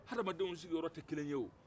adamaden sigiyɔrɔ tɛ kelen